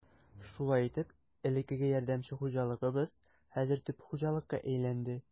Шулай итеп, элеккеге ярдәмче хуҗалыгыбыз хәзер төп хуҗалыкка әйләнде.